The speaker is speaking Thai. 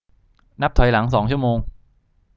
นับถอยหลังสองชั่วโมง